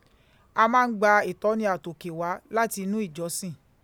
A mà ń gba ìtọ́ni àtòkè wa láti inú ìjọ́sìn.